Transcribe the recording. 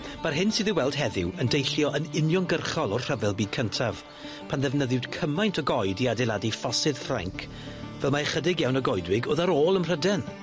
Ma'r hyn sydd i'w weld heddiw yn deillio yn uniongyrchol o'r rhyfel byd cyntaf pan ddefnyddiwyd cymaint o goed i adeiladu ffosydd Ffrainc fel mae ychydig iawn o goedwig o'dd ar ôl ym Mhryden.